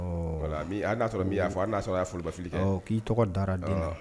A'a sɔrɔ min y' fɔ a n'a sɔrɔ a'a nafoloba fili k'i tɔgɔ dara dɔn